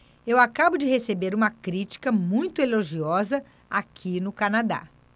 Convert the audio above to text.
eu acabo de receber uma crítica muito elogiosa aqui no canadá